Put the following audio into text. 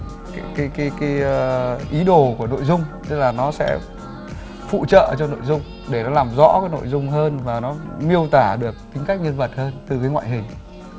cái cái cái ơ ý đồ của nội dung tức là nó sẽ phụ trợ cho nội dung để nó làm rõ cái nội dung hơn và nó miêu tả được tính cách nhân vật hơn từ cái ngoại hình